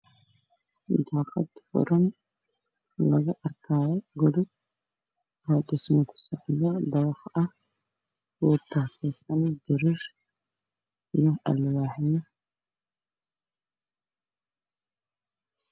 Waa guryo dhismo ay ku socdaan